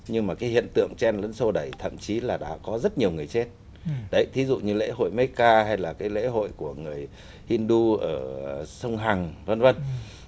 nhưng mà cái hiện tượng chen lấn xô đẩy thậm chí là đã có rất nhiều người chết đấy thí dụ như lễ hội mếch ca hay là cái lễ hội của người hin đu ở sông hằng vân vân